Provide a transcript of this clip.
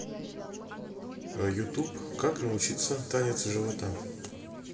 ютуб как научиться танец живота